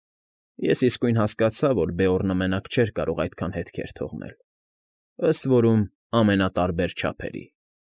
Ես իսկույն հասկացա, որ Բեորնը մենակ չէր կարող այդքան հետքեր թողնել, ըստ որում ամենատարբեր չափսերի։